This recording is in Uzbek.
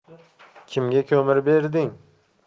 kimga ko'mir berding